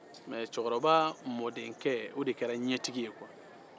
mɛ cɛkɔrɔba mɔdenkɛ de kɛra ɲɛtigi ye